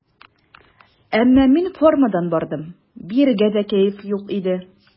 Әмма мин формадан бардым, биергә дә кәеф юк иде.